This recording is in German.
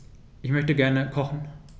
Ich möchte gerne kochen.